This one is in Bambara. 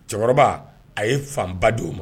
Cɛkɔrɔba a ye fan ba d'o ma.